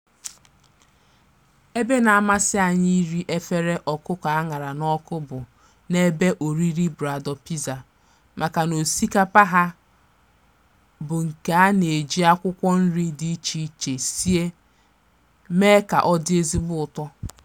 Ebe na-amasị anyị iri efere ọkụkọ aṅara n'ọkụ bụ n'ebe oriri Brador Pizza, maka na osikapa ha bụ nke a na-eji akwụkwọ nri dị iche iche sie mee ka ọ dị ezigbo ụtọ.